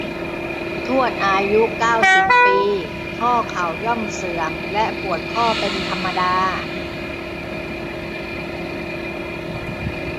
ทวดอายุเก้าสิบปีข้อเข้าย่อมเสื่อมและปวดข้อเป็นธรรมดา